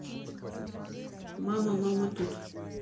мама мама тут